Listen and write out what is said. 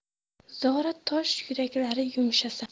zora tosh yuraklari yumshasa